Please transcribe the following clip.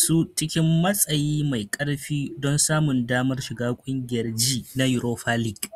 su cikin matsayi mai karfi don samun damar shiga kungiyar G na Europa League.